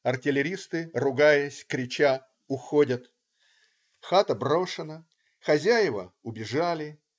Артиллеристы, ругаясь, крича, уходят. Хата брошена. Хозяева убежали.